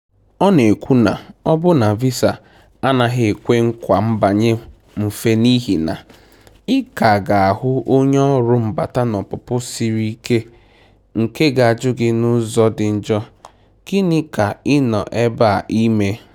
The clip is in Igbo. Ọ na-ekwu na ọbụna visa anaghị ekwe nkwa mbanye mfe n'ihi na ""ị ka ga-ahụ onye ọrụ mbata na ọpụpụ siri ike nke ga-ajụ gị n'ụzọ dị njọ, Gịnị ka ị nọ ebe a ime?""